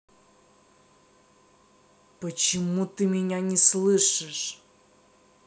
почему ты меня не слышишь